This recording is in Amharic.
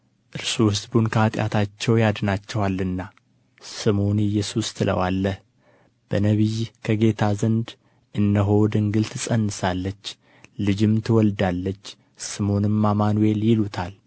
እርሱ ሕዝቡን ከኃጢአታቸው ያድናቸዋልና ስሙን ኢየሱስ ትለዋለህ በነቢይ ከጌታ ዘንድ እነሆ ድንግል ትፀንሳለች ልጅም ትወልዳለች ስሙንም አማኑኤል ይሉታል